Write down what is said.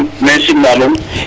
Khadim maxey simna nuun .